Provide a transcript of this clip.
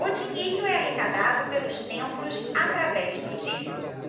o dinheiro é arrecadado pelos templos através do dízimo